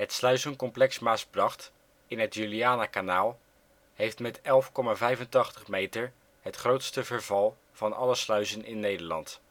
sluizencomplex Maasbracht in het Julianakanaal heeft met 11,85 meter het grootste verval van alle sluizen in Nederland